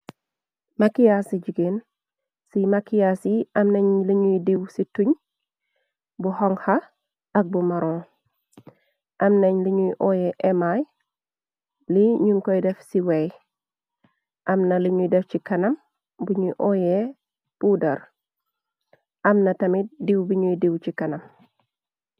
Makiaas yi jigeen ci makias yi am nañ liñuy diiw ci tuñ, bu honha ak bu maron. am nañ liñuy ooyee emaay li ñuñ koy def ci wey, am na liñuy def ci kanam buñuy ooyee podar, am na tamit diiw biñuy diiw ci kanam.